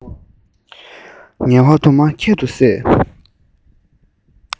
ངལ བ དུ མ ཁྱད དུ བསད